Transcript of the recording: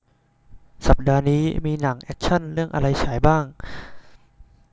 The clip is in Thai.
สัปดาห์นี้มีหนังแอ็คชั่นเรื่องอะไรฉายบ้าง